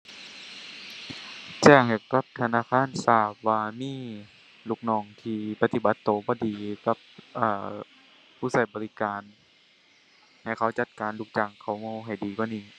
แจ้งให้กับธนาคารทราบว่ามีลูกน้องที่ปฏิบัติตัวบ่ดีกับ เอ่อ ผู้ตัวบริการ ให้เขาจัดการลูกจ้างเขาให้ดีกว่านี้